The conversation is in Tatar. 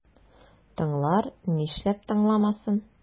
Тыңлар, нишләп тыңламасын?